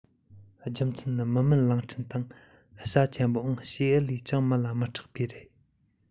རྒྱུ མཚན ནི མི མེད གླིང ཕྲན སྟེང བྱ ཆེན པོ བྱེའུ ལས ཀྱང མི ལ མི སྐྲག པས རེད